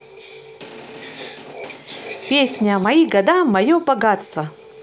песня мои года мое богатство